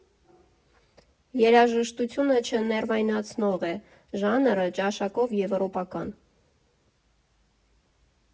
Երաժշտությունը «չներվայնացնող» է, ժանրը՝ «ճաշակով֊եվրոպական»։